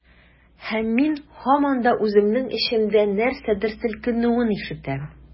Һәм мин һаман да үземнең эчемдә нәрсәдер селкенүен ишетәм.